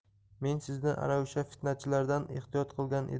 men sizni ana o'sha fitnachilardan ehtiyot